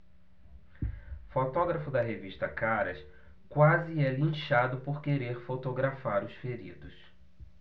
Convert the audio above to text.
fotógrafo da revista caras quase é linchado por querer fotografar os feridos